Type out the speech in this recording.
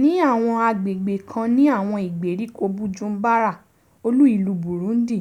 Ní àwọn agbègbè kan ní àwọn ìgbèríko Bujumbura, olúìlú Burundi,